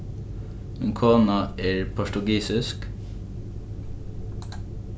kona mín er portugisisk